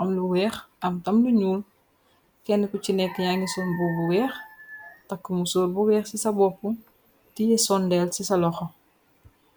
am lu weex, am tam lu ñuul, kenne ku ci nekk ya ngi sol mboobu weex, takk musóor gu weex ci ca boppu, tiye sondeel ci sa loxo.